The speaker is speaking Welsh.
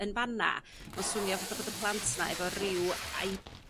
yn fana ma'n swnio fatha bod y plant 'na efo ryw aid-